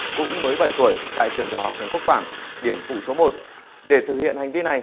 cũng mới bảy tuổi tại trường tiểu học trần quốc toản điểm phụ số một để thực hiện hành vi này